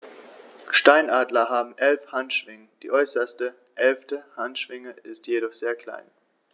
Steinadler haben 11 Handschwingen, die äußerste (11.) Handschwinge ist jedoch sehr klein.